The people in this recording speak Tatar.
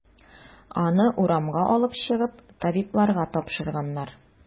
Аны урамга алып чыгып, табибларга тапшырганнар.